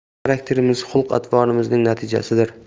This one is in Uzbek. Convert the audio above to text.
bizning xarakterimiz xulq atvorimizning natijasidir